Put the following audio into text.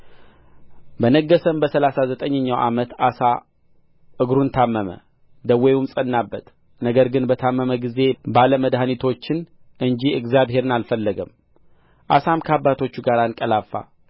በነገሠም በሠላሳ ዘጠኝኛው ዓመት አሳ እግሩን ታመመ ደዌውም ጸናበት ነገር ግን በታመመ ጊዜ ባለ መድኃኒቶችን እንጂ እግዚአብሔርን አልፈለገም አሳም ከአባቶቹ ጋር አንቀላፋ